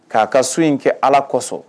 K'a ka so in kɛ allah kosɔn